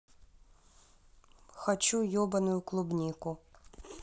хочу ебаную клубнику